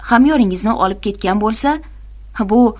hamyoningizni olib ketgan bo'lsa